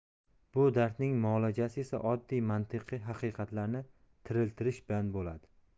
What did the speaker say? bu dardning muolajasi esa oddiy mantiqiy haqiqatlarni tiriltirish bilan bo'ladi